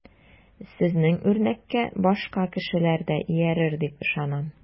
Сезнең үрнәккә башка кешеләр дә иярер дип ышанам.